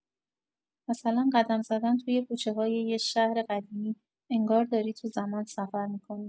مثلا قدم زدن توی کوچه‌های یه شهر قدیمی، انگار داری تو زمان سفر می‌کنی.